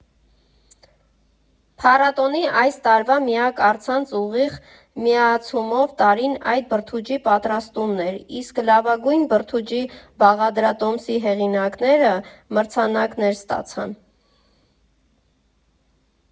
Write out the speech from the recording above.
Փառատոնի այս տարվա միակ առցանց, ուղիղ միացումով տարրն այդ բրդուճի պատրաստումն էր, իսկ լավագույն բրդուճի բաղադրատոմսի հեղինակները մրցանակներ ստացան։